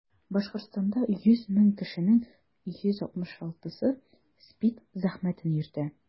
Башкортстанда 100 мең кешенең 166-сы СПИД зәхмәтен йөртә.